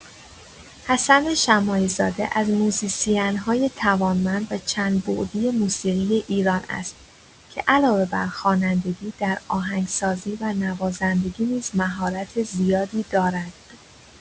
حسن شماعی‌زاده از موزیسین‌های توانمند و چندبعدی موسیقی ایران است که علاوه بر خوانندگی، در آهنگسازی و نوازندگی نیز مهارت زیادی دارد.